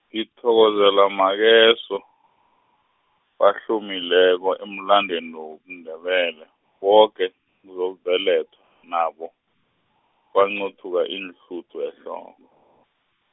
ngithokozelamakeso, wahlomileko emlandwini wobuNdebele, boke, ngizokubelethwa, nabo, kwanquthuka iinhluthu ehloko.